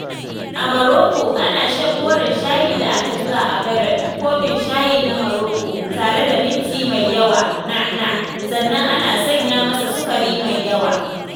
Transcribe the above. A Maroko, ana shan koren shayi da aka jiƙa a berrad (kofin shayi na Maroko) tare da minti mai yawa (na'na') sannan a sanya masa sukari mai yawa.